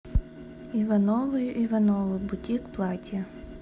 ивановы ивановы бутик платья